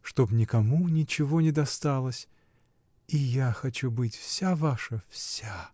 чтоб никому ничего не досталось! И я хочу быть — вся ваша. вся!